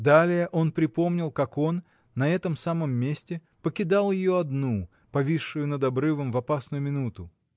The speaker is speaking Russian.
Далее, он припомнил, как он, на этом самом месте, покидал ее одну, повисшую над обрывом, в опасную минуту.